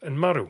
yn marw